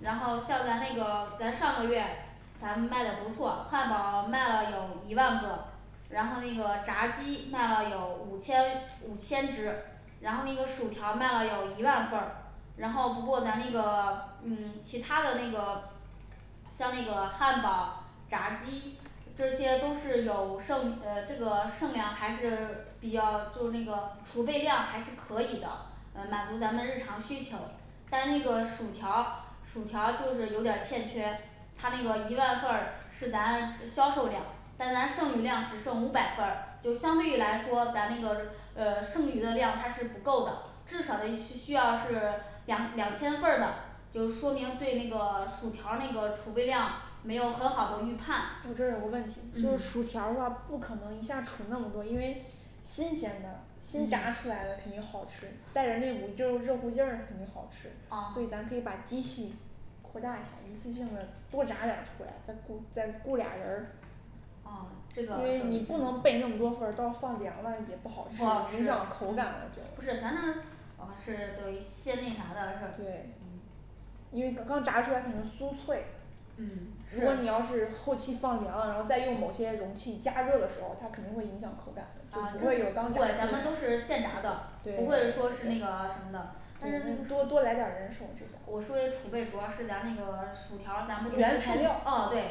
然后像咱那个咱上个月咱们卖的不错，汉堡卖了有一万个，然后那个炸鸡卖了有五千五千只然后那个薯条儿卖了有一万份儿，然后不过咱那个嗯其他的那个 像这个汉堡、炸鸡这些都是有剩这个剩量还是比较就那个储备量还是可以的，满足咱们日常需求但那个薯条儿薯条儿就是有点儿欠缺，他那个一万份儿是咱销售量，但咱剩余量只剩五百份儿就相对于来说咱那个呃剩余的量它是不够的，至少得需需要是两两千份儿的，就说明对那个薯条儿那个储备量没有很好的预判我这儿有个问题就是薯嗯条儿啊不可能一下储那么多，因为新鲜的新炸嗯出来的肯定好吃，带着那股就热乎劲儿肯定好吃所以咱可以把机器扩大一下，一次性的多炸点儿出来，再雇再雇俩儿啊人，因为你不能备那么多份儿都要放凉了也不不好好吃影吃响口感嗯了就对不是咱们哦是作为限定炸的的是因为刚刚炸出来肯定酥脆嗯，如是果你要是后期放凉了，然后再用某些容器加热的时候，他肯定会影响口感嗯，就不会有刚是炸出啊咱来们都是现炸的，不会说是那个什么的对但总是多多来点儿人手这但是个我说的储备主要是咱那个薯条儿，咱们哦对原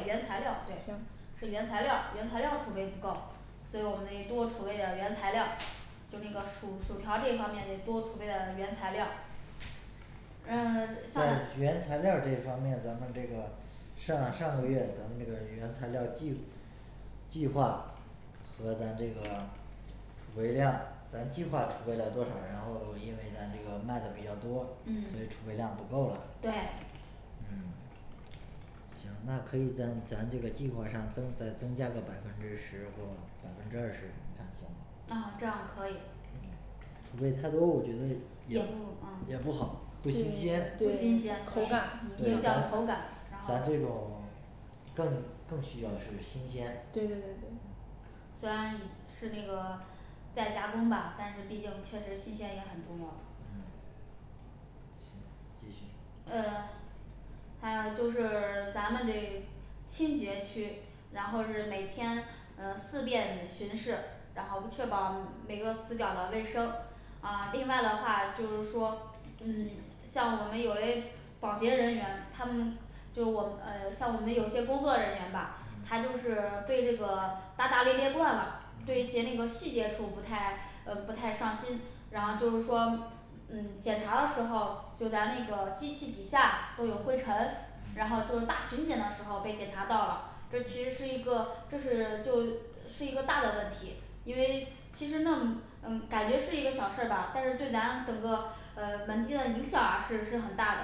原材材料料儿儿行对是原材料儿原材料儿储备不够，所以我们得多储备点儿原材料儿，就那个薯薯条儿这一方面得多储备点儿原材料儿嗯在原材料儿这一方面咱们这个，上上个月咱们这个原材料儿计计划和咱这个储备量咱计划储备了多少，然后因为咱这个卖的比较多，嗯所以储备量不够了对嗯行那可以咱咱这个计划上增再增加个百分之十或百分之二十，你看行吗？嗯这样可以嗯储备太多，我觉得也也也不不嗯好不不对新新鲜鲜对影对响口口感肯定咱感然咱这后种更更需要是新鲜对对对对嗯虽然是那个再加工吧，但是毕竟确实新鲜也很重要。嗯行继续嗯还有就是咱们这清洁区，然后是每天嗯四遍巡视，然后不确保每个死角儿的卫生。啊另外的话就是说嗯像我们有位保洁人员他们就我呃像我们有些工作人员吧嗯他就是对这个大大咧咧惯了对一嗯些那个细节处不太呃不太上心，然后就是说嗯检查的时候就咱那个机器底下都有嗯灰尘，然嗯后就是大巡检的时候被检查到了，这其实是一个这是就是一个大的问题，因为其实弄嗯感觉是一个小事儿吧，但是对咱整个门店的影响是是很大的。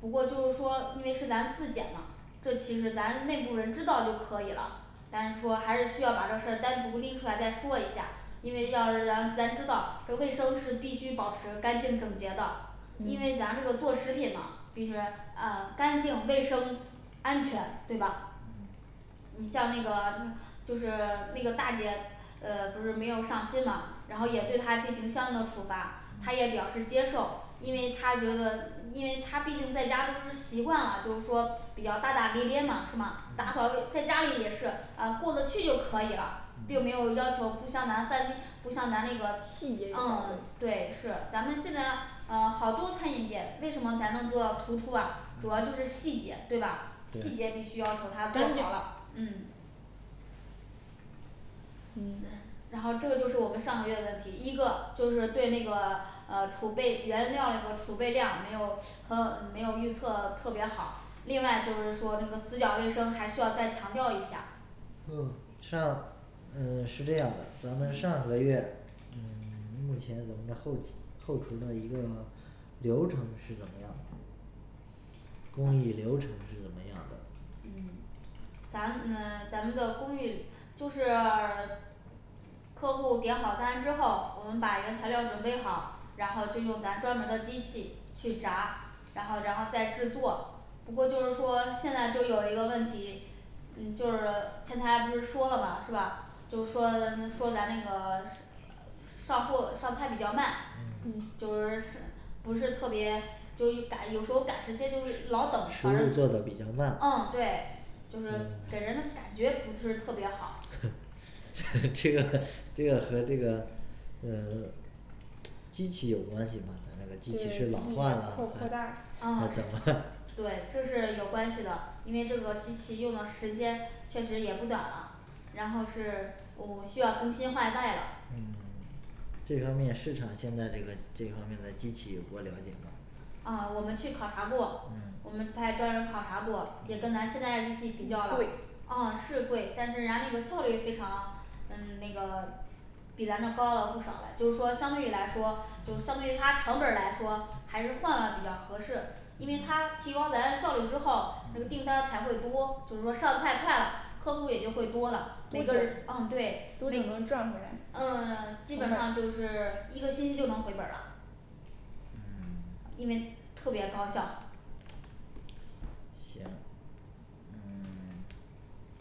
不过就是说因为是咱自检嘛这其实咱内部人知道就可以了，但是说还是需要把这事儿单独拎出来再说一下，因为要让咱知道这卫生是必须保持干净整洁的，因嗯为咱这个做食品嘛必须啊干净、卫生安全对吧嗯？ 你像那个就是那个大姐呃不是没有上心嘛然后也对她进行相应的处罚，她也嗯表示接受因为她觉得因为她毕竟在家都是习惯了，就是说比较大大咧咧嘛是嘛打扫嗯在家里也是啊过得去就可以了，并没有要求嗯不像咱饭店不像咱那个细嗯节有干嗯净对对是咱们现在呃好多餐饮店，为什么咱能做到突出啊主要就是细节对吧？细节必须要求他做好了。嗯嗯嗯然后这就是我们上个月的问题一个就是对那个储备原料储备量没有没有嗯预测特别好，另外就是说这个死角卫生还需要再强调一下嗯上嗯是这样的，咱们上个月嗯 目前咱们的后 后厨的一个流程是怎么样的工艺流程是怎么样的嗯咱们呃咱们的工艺就是 客户点好餐之后，我们把原材料儿准备好然后就用咱专门的机器去炸，然后然后再制作，不过就是说现在就有一个问题就是前台不是说了嘛是吧？就说说咱那个上货上菜比较慢嗯就是不是特别就有赶有时候赶时间就是老等食物嗯做对的比较慢嗯就是给人的感觉不是特别好嗯 这个这个和这个嗯 机器有关系嘛咱那个对机机器器是老扩化了扩大还还是怎么了 对就是有关系了，因为这个机器用了时间确实也不短了，然后是我需要更新换代了嗯 这方面市场现在这个这方面的机器有过了解吗？嗯嗯啊我们去考察过，嗯我们派专人考察过，也嗯跟咱现在机器比较了贵嗯是贵，但是人家这个效率非常嗯 那个比咱们这高了不少嘞，就是说相对来说就是对于他成本儿来说还是换了比较合适因为他提高咱效率之后订嗯单才会多，就是说上菜快了，客户也就会多了，多每久个人儿嗯对。那多久能赚回来嗯嗯基成本本儿上就是一个星期就能回本儿了嗯 因为特别高效行嗯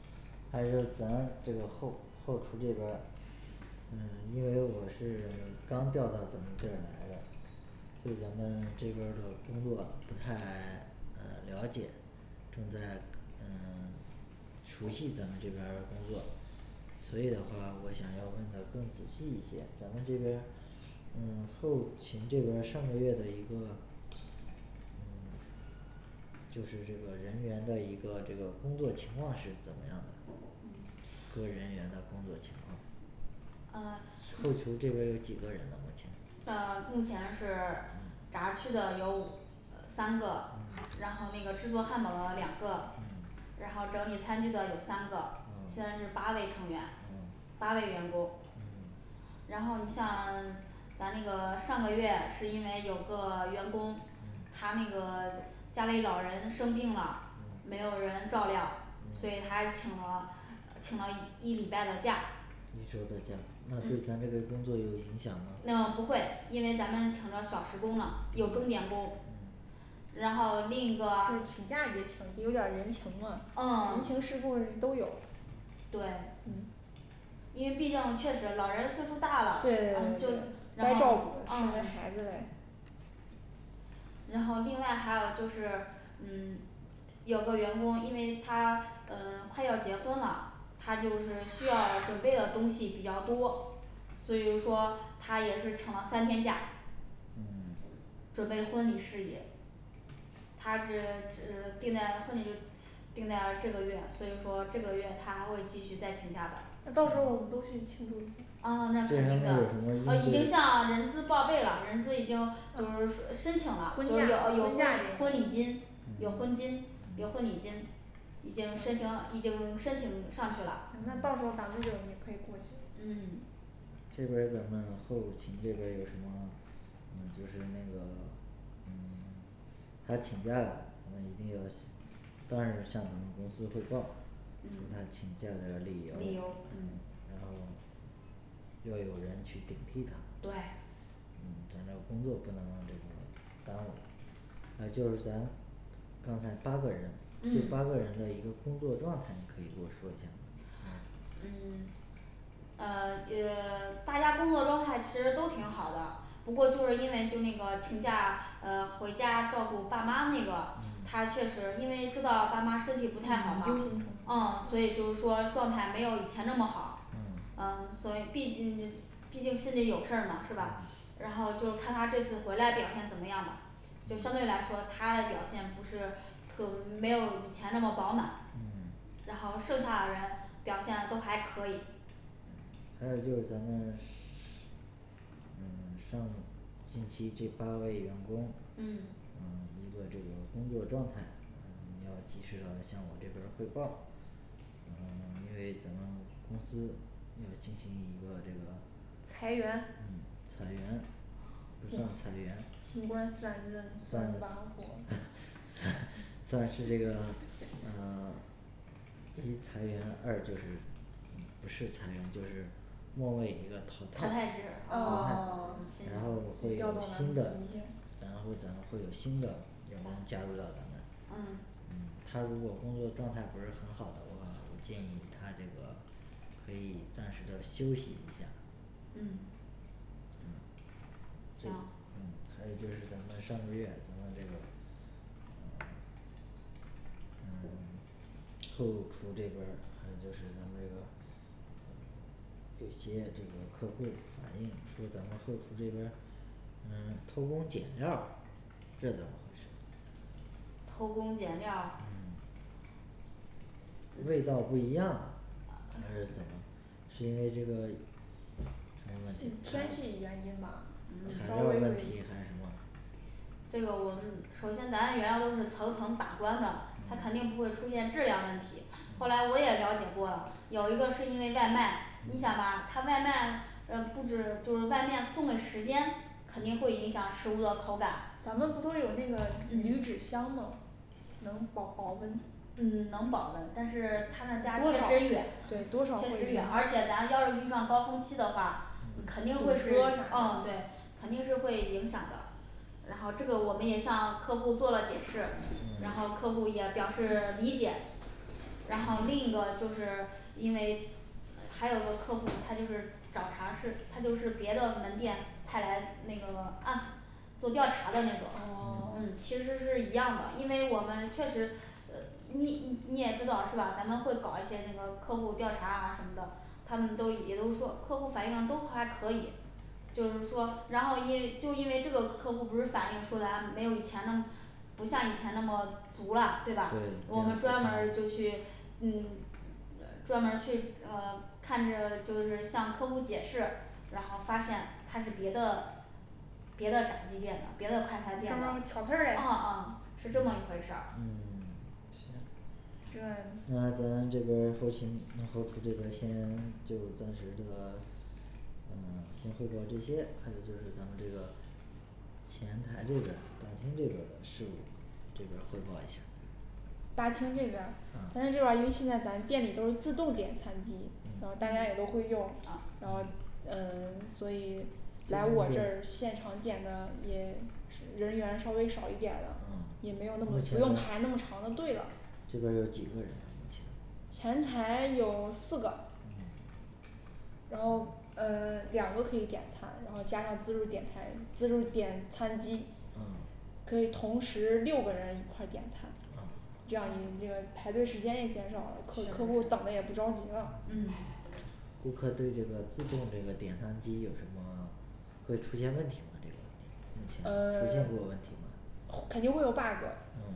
还是咱这个后后厨这边儿，嗯因为我是刚调到咱们这儿来的，对咱们这边儿的工作不太 嗯了解正在嗯 熟悉咱们这边儿工作，所以的话我想要问的更仔细一些，咱们这边儿嗯后勤这边儿上个月的一个嗯就是这个人员的一个这个工作情况是怎么样的嗯？各人员的工作情况嗯，后厨这边有几个人呢目前呃目前是嗯炸区的有五三个，然嗯后那个制作汉堡的两个，嗯然后整理餐具的有三个，现啊在是八位成员啊，八位员工。嗯然后你像咱那个上个月是因为有个员工，嗯他那个家里老人生病了，嗯没有人照料，嗯所以他还请了请了一一礼拜的假一周的假那对嗯咱这个工作有影响吗呃不会，因为咱们请了小时工了，有钟点嗯工嗯然后另一个。对请假也请就有点儿人情嘛，人嗯情世故人都有。对因为毕竟确实老人岁数儿大对对对对了，然后就对该照顾的身嗯为孩子嘞然后另外还有就是嗯有个员工，因为他呃快要结婚了，他就是需要准备的东西比较多所以说他也是请了三天假嗯，准备婚礼事宜他是是定在婚礼就定在了这个月，所以说这个月他还会继续再请假的到时候我们都去庆祝嗯那这肯方定面有什的么已应对经向人资报备了，人资已经就是申请了就婚是有假有婚礼金，有婚金有婚礼金已经申请已经申请上去了嗯到时候咱们也可以过去嗯这边儿咱们后勤这边儿有什么就是那个 嗯 他请假了，我们一定要当日向咱们公司汇报从他嗯请假的理由理由，嗯嗯然后要有人去顶替他，对嗯咱这工作不能这个耽误啊就是咱刚才八个人这嗯八个人的一个工作状态可以给我说一下吗？嗯 呃 大家工作都还其实都挺好的不过就是因为就那个请假呃回家照顾爸妈那个，嗯他确实因为知道爸妈身体不太好嘛嗯，嗯所以就是说状态没有以前那么好嗯，呃所以毕竟毕竟心里有事儿嘛是吧嗯？然后就是看他这次回来表现怎么样吧，就相嗯对来说他的表现不是特没有以前那么饱满嗯，然后剩下的人表现都还可以还有就是咱们 嗯上近期这八位员工嗯嗯一个这个工作状态，嗯你要及时的向我这边儿汇报因为咱们公司要进行一个这个嗯裁裁员员，不算裁员， 新官上任三把火算是这个。 一裁员，二就是不是裁员，就是末位一个淘淘汰，淘汰制汰哦嗯然后会有新的，然后咱会有新的员工加入到咱们嗯他如果工作状态不是很好的话，我建议他这个可以暂时的休息一下。嗯嗯就行嗯还有就是咱们上个月咱们这个嗯 后厨这边儿还有就是咱们这个有些这个客户反映说咱们后厨这边儿偷工减料儿，这怎么回事？偷工减料儿嗯味道不一样，还是怎么？是因为这个 什么问题材天材气料原因吧稍微儿问题还是什么这个我们首先咱原料都是层层把关的，他肯嗯定不会出现质量问题后嗯来我也了解过有一个是因为外卖，你想吧嗯他外卖呃不止就是外面送嘞时间肯定会影响食物的口感嗯。咱们不都有那个铝纸嗯箱吗？能保保温，嗯能保温但是他那家确实远，而且咱要是遇上高峰期的话，嗯肯定会嗯对肯定是会影响的。然后这个我们也向客户做了解释嗯，然后客户也表示理解。然后另一个就是因为还有个客户他就是找茬儿是他就是别的门店派来那个 暗做调查的那种嗯，其实是一样的，因为我们确实你你也知道是吧，咱们会搞一些那个客户啊调查什么的他们都也都说客户反映都还可以，就是说然后因为就因为这个客户不是反映出来没有以前那么不像以前那么足了对对吧？对我们专门儿就去嗯专门儿去呃看着就是向客户解释，然后发现他是别的别的店的别的快餐店的嗯挑事儿嘞嗯嗯是这么一回事儿。嗯这那咱这边儿后勤那后厨这边儿先就暂时的 嗯先汇报这些还有就是咱们这个前台这边儿大厅这边儿的事务，这边儿汇报一下大厅这边儿大嗯厅这边儿，因为现在咱店里都是自动点餐机，然嗯后大家也都会用啊，然后嗯嗯 所以来我这儿现场点的也人员稍微少一点嗯了，也没有那目么不用前排那么长的队了这边儿有几个人咱目前前台有四个嗯然后嗯 两个可以点餐，然后加上自助点餐自助点餐机啊可以同时六个人一块儿点餐，啊这样也就排队时间也减少了，客客是户儿等的也不着急了嗯顾客对这个自动这个点餐机有什么会出现问题吗这个目前出现嗯过问题吗肯定会有bug，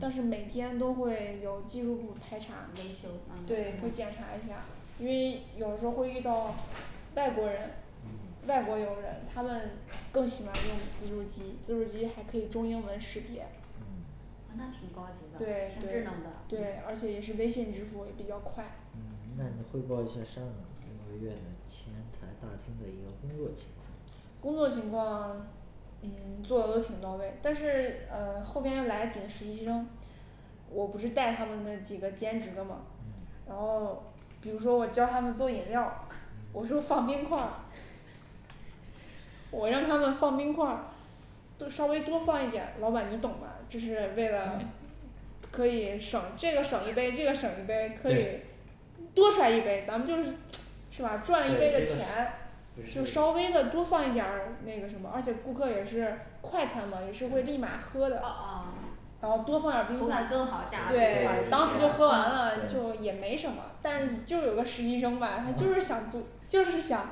但是每天都会有技术部排查维修啊，对会检查一下，因为有时候会遇到外国人嗯外国友人他们更喜欢用自助机，自助机还可以中英文识别那挺高级，的对挺对智能的对，而且也是微信支付也比较快。嗯那你汇报一下上个月的前台大厅的一个工作情况工作情况嗯 做的都挺到位，但是呃后边来几个实习生我不是带他们那几个兼职的嘛嗯，然后比如说我教他们做饮料 嗯我说放冰块儿， 我让他们放冰块儿 都稍微多放一点，老板你懂吗？这是为了可以省这个省一杯这个省一杯可以对多出来一杯咱们就是是吧赚一对杯的钱这个就就是稍微的多放一点儿那个什么，而且顾客也是快餐嘛也是会立马对喝的啊啊然后多放点儿冰块，对对对对当时就喝完了就对也没什么，但就有个实习生嘛他就是想多 就是想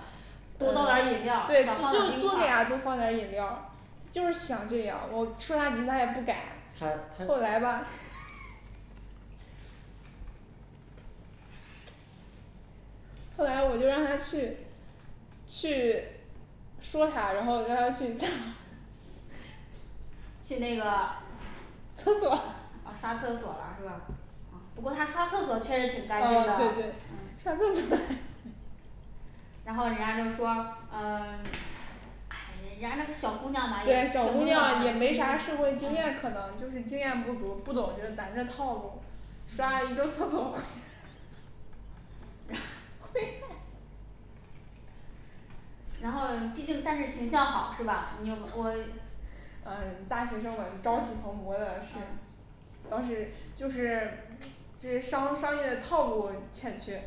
他他多倒点儿饮料对少放点就儿就冰多这样儿块多放点饮料儿就是想这样我说他几次他也不儿改他后来吧他 后来我就让他去去说他，然后让他去讲 去那个 厕所 刷厕所了是吧？不过他刷厕所确实挺干净哦对对的，刷厕所 然后人家就说嗯人家那个小姑娘嘛对小姑娘也没啥社会经验可能就是经验不足不懂这咱这套路，刷一周厕所了 然后毕竟算是形象好是吧？ 你又说嗯大学生们嘛就朝气蓬勃的是当时就是这些商商业的套路欠缺，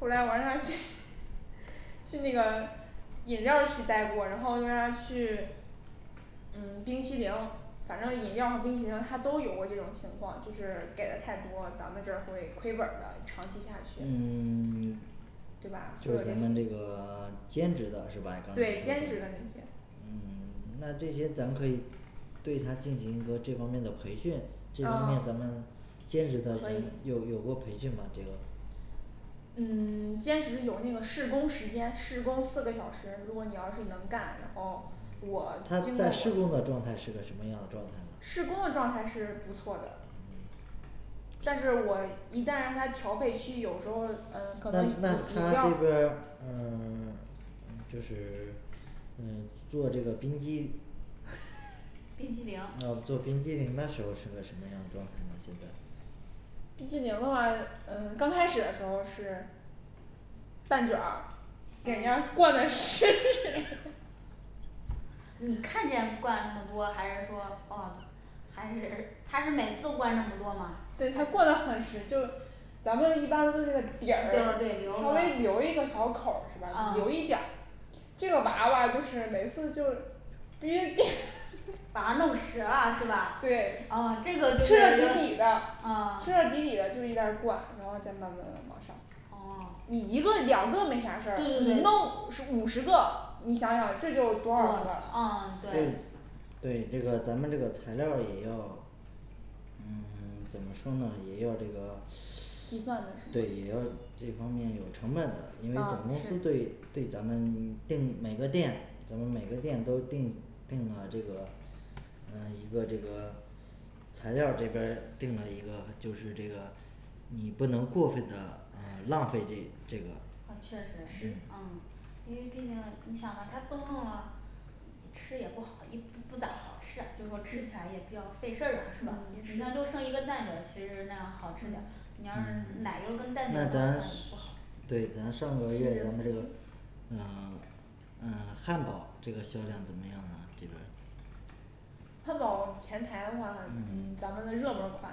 后来我让他去 去那个饮料区待过，然后又让他去嗯冰淇淋反正饮料儿和冰淇淋她都有过这种情况，就是给的太多，咱们这儿会亏本儿的长期下去嗯 对吧？就咱们这个 兼职的是吧？刚才对你说兼的那职的那些些啊嗯 那这些咱们可以对他进行一个这方面的培训，这方面咱们兼职的可人以有有过培训吗？这个嗯 兼职有那个试工时间试工四个小时，如果你要是能干，然后我他在试工的状态是个什么样的状态呢施工的状态是不错的嗯但是我一旦让他调配区有时候儿嗯可那能不那一她样这边儿 嗯 就是嗯做这个冰激冰激凌哦做冰激凌那时候是个什么样状态呢现在？冰激凌的话嗯刚开始的时候是蛋卷儿给人家灌的是 你看见灌了那么多，还是说哦还是她是每次都灌那么多吗？对她灌得很实，就咱们一般的话那个底儿稍对留啊微留一个小口儿是吧？留一点儿，这个娃娃就是每次就别， 对把它弄实了是吧这个其彻实彻底底嗯的嗯彻彻底底的就一在那儿灌然后再慢慢往上你一个两个没啥事儿，你弄十五十个，你想想这就多少个儿了，啊对对对这个咱们这个材料儿也要嗯 怎么说呢也要这个计算着成对也要本这方面有成本的，因为总公司嗯对是对咱们定每个店，咱们每个店都定定了这个呃一个这个材料这边儿定了一个就是这个你不能过分的浪费这这个。确实是，嗯因为毕竟你想吧它都弄了吃也不好，你不不咋好吃啊，就说吃起来也比较费事儿吧是吧？那就剩一个蛋卷儿，其实那样好吃点儿，你要嗯是奶油跟蛋卷那儿的咱话不好。对咱上个月咱们这个嗯 嗯 汉堡这个销量怎么样呢？这个汉堡前台的话，咱们嗯咱们的热门款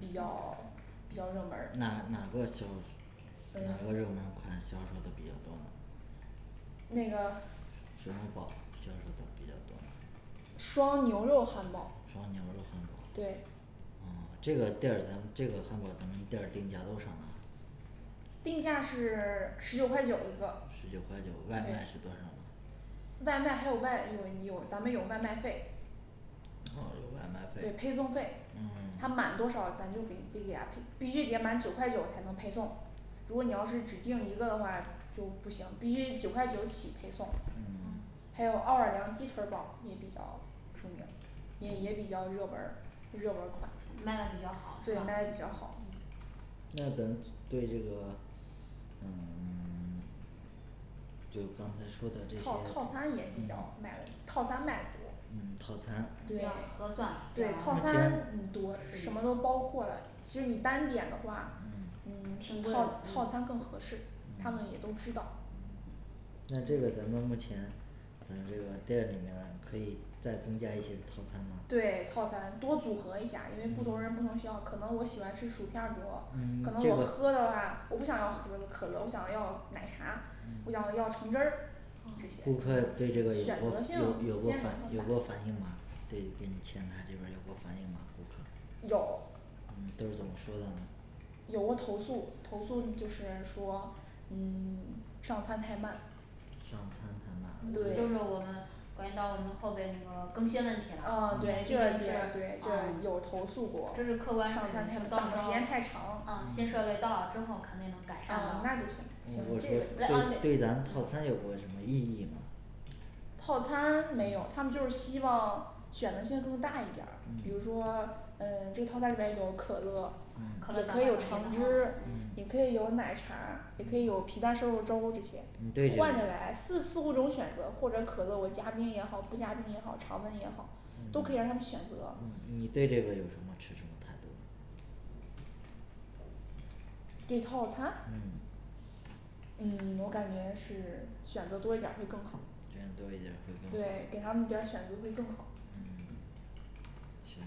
比嗯较比较热门儿哪哪个销哪个热门款销售的比较多那吗个，什么堡销售的比较多吗双牛肉汉堡双牛肉汉堡对。嗯这个店儿咱们这个汉堡咱们店儿定价多少呢？定价是十九块九一个十对九块九，外外卖是多少呢？卖还有外，有你有咱们有外卖费还有一个对配外送费卖费嗯他满多少咱就给得给他配，必须点满九块九才能配送如果你要是只订一个的话就不行，必须九块九起配送嗯。还有奥尔良鸡腿二堡也比较出名也也比较热门儿热门儿款，对卖卖的比较好的比较好那咱对这个嗯 就刚才说的这些套套餐也比较卖的套餐卖的多嗯套餐对合算对套餐多什么都包括了其实你单点的话嗯嗯套套餐更合适他们也嗯都知道那这个咱们目前咱这个店里面可以再增加一些套餐吗对套餐多组合一下，因为不同人不同嗯需要可能我喜欢吃薯片儿多嗯，可能这我个喝的话我不想要喝可乐，我想要奶茶，我嗯想要橙汁儿顾客这对这些个有选过择性有有过有过反应吗？ 对，跟前台这边儿有过反应吗顾客有都是怎么说的呢？有过投诉投诉就是说嗯 上餐太慢上餐太就是我们对慢关于到我们后备那个更新问题了嗯啊，对这这嗯对有投诉过，等是客观上的到时时候间太长，嗯哦新设备到了之后肯定能改善那就行嗯我说对对咱套餐有过什么异议吗？套餐儿没有，他们就是希望选择性更大一点儿，嗯比如嗯说嗯这套餐里面有可乐嗯你可以有橙汁，嗯你可以有奶茶，也可以有嗯皮蛋瘦肉粥这些你对这个换着来四四五种选择或者可乐我加冰也好，不加冰也好，常温也好都嗯可以让他们选择嗯嗯你对这个有什么持什么态度对套餐嗯。嗯我感觉是选择多一点儿会更好选择多一点儿会，更对好，给他们点儿选择会更好。嗯行